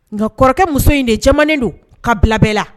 Nka kɔrɔkɛ muso in de jamana don ka bila bɛɛ. bɛɛ la